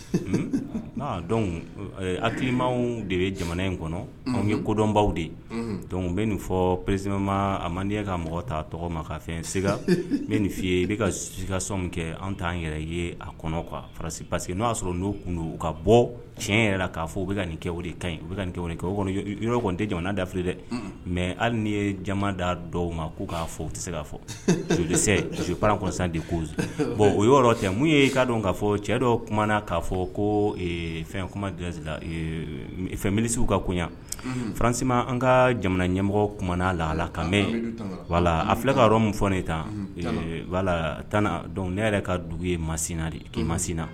Dɔn akilimaw de bɛ jamana in kɔnɔ anw ye kodɔnbaw de don u bɛ nin fɔ pereresimama a man n'iya ka mɔgɔ t ta tɔgɔ ma ka fɛn se n bɛ nin f'i ye ka sika sɔn min kɛ an t'an yɛrɛ ye a kɔnɔ kasi parce que n'a y'a sɔrɔ n'o kun u ka bɔ tiɲɛ yɛrɛ k'a fɔ u bɛka ka nin kɛwale ka u nin kɛ kɛ kɔni tɛ jamana dafi dɛ mɛ hali ye jama da dɔw ma k'u k'a fɔ u tɛ se k kaa fɔ u se panran kɔnɔsan de ko bɔn o yɔrɔ cɛ mun ye k'a dɔn k'a fɔ cɛ dɔw kumaumana k kaa fɔ ko fɛn kuma fɛn misiww ka kun faransi ma an ka jamana ɲɛmɔgɔ kumana lala ka mɛn wala a filɛ ka yɔrɔ min fɔ ne ta tan dɔn ne yɛrɛ ka dugu ma sinina de k'i ma sinina